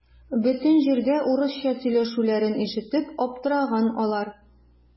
Бөтен җирдә урысча сөйләшүләрен ишетеп аптыраган алар.